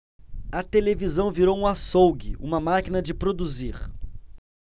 a televisão virou um açougue uma máquina de produzir